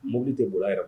Mobili de bɔra yɛrɛ